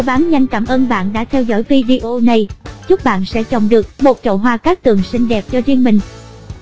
muabannhanh cảm ơn bạn đã theo dõi video này chúc bạn sẽ trồng được một chậu hoa cát tường xinh đẹp cho riêng mình